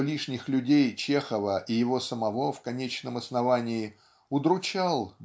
что лишних людей Чехова и его самого в конечном основании удручал